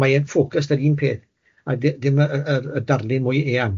mae e'n focused ar un peth a d- dim y y yr y darlun mwy eang.